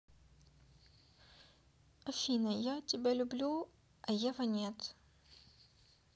афина я тебя люблю а ева нет